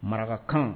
Marakakan